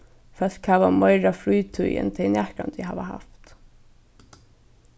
fólk hava meira frítíð enn tey nakrantíð hava havt